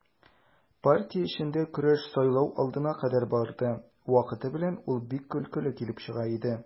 Партия эчендә көрәш сайлау алдына кадәр барды, вакыты белән ул бик көлкеле килеп чыга иде.